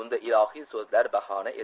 bunda ilohiy so'zlar bahona edi